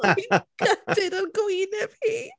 Oedd hi'n gutted o gwyneb hi!